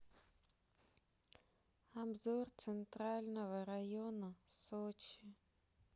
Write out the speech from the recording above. обзор центрального района сочи